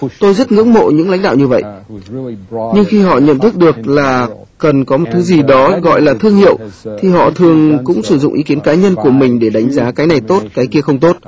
tôi rất ngưỡng mộ những lãnh đạo như vậy nhưng khi họ nhận thức được là cần có một thứ gì đó gọi là thương hiệu thì họ thường cũng sử dụng ý kiến cá nhân của mình để đánh giá cái này tốt cái kia không tốt